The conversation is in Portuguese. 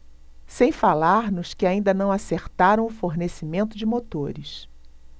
sem falar nos que ainda não acertaram o fornecimento de motores